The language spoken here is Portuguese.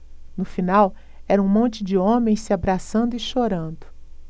no final era um monte de homens se abraçando e chorando